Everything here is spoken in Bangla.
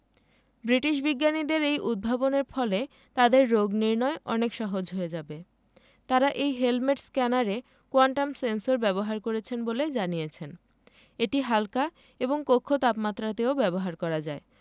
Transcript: ব্রিটিশ বিজ্ঞানীদের এই উদ্ভাবনের ফলে তাদের রোগনির্নয় অনেক সহজ হয়ে যাবে তারা এই হেলমেট স্ক্যানারে কোয়ান্টাম সেন্সর ব্যবহার করেছেন বলে জানিয়েছেন এটি হাল্কা এবং কক্ষ তাপমাত্রাতেও ব্যবহার করা যায়